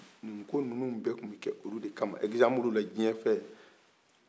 nin ko ninnu bɛɛ tun bi kɛ o de kama exemple la diɲɛ fɛ